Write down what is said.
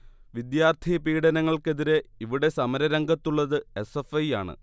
വിദ്യാർത്ഥി പീഡനങ്ങൾക്കെതിരെ ഇവിടെ സമര രംഗത്തുള്ളത് എസ്. എഫ്. ഐ യാണ്